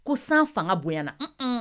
Ko san fanga bonyayana